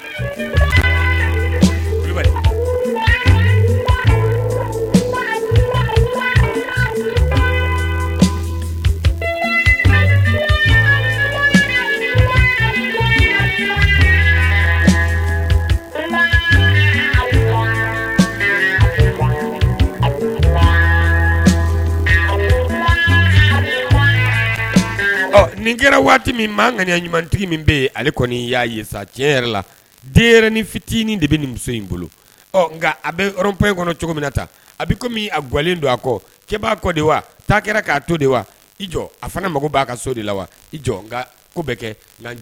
Nin kɛra waati min man kaɲa ɲumantigi min bɛ ale kɔni y'a ye sa tiɲɛ yɛrɛ la den ni fitinin de bɛ nin muso in bolo nka a bɛp in kɔnɔ cogo min na ta a komi a galen don a kɔ cɛ' kɔ wa taa kɛra k'a to de wa i jɔ a fanga mago b'a ka so de la wa i jɔ nka ko bɛ kɛ